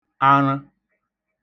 aṙə̣